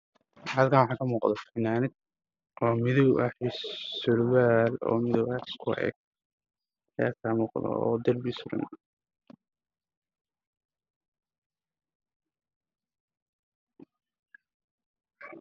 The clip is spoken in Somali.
Meeshaan waxaa iga muuqda shaati surwaal midabkoodu yahay madow fannaanad weeyaan oo sulan darbi